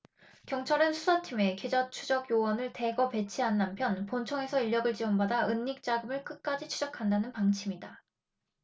경찰은 수사팀에 계좌추적 요원을 대거 배치하는 한편 본청에서 인력을 지원받아 은닉 자금을 끝까지 추적한다는 방침이다